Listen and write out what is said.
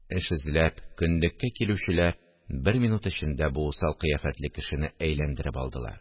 Эш эзләп көнлеккә килүчеләр бер минут эчендә бу усал кыяфәтле кешене әйләндереп алдылар